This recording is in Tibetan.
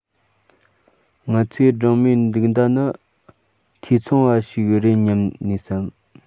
ང ཚོས སྦྲང མའི དུག མདའ ནི འཐུས ཚང བ ཞིག རེད སྙམ ནུས སམ